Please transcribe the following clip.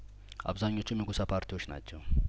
አብዛኛዎቹም የጐሳ ፓርቲዎች ናቸው